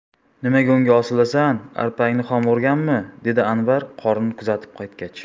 nimaga unga osilasan arpangni xom o'rganmi dedi anvar qorini kuzatib qaytgach